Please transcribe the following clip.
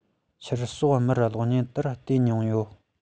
ཤར ཕྱོགས དམར གློག བརྙན དེར བལྟས མྱོང ཡོད